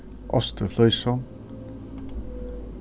ost í flísum